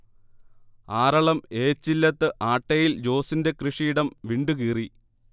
ആറളം ഏച്ചില്ലത്ത് ആട്ടയിൽ ജോസിന്റെ കൃഷിയിടം വിണ്ടുകീറി